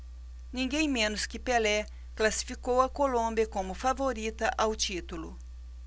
ninguém menos que pelé classificou a colômbia como favorita ao título